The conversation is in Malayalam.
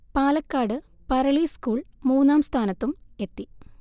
പാലക്കാട് പറളി സ്കൂൾ മൂന്നാം സ്ഥാനത്തും എത്തി